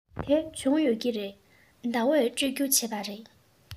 དེ བྱུང ཡོད ཀྱི རེད ཟླ བས སྤྲོད རྒྱུ བྱས པ རེད